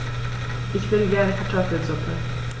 Ich will gerne Kartoffelsuppe.